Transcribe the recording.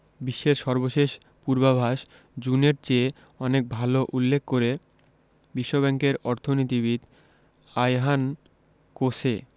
বিশ্বের সর্বশেষ পূর্বাভাস জুনের চেয়ে অনেক ভালো উল্লেখ করে বিশ্বব্যাংকের অর্থনীতিবিদ আয়হান কোসে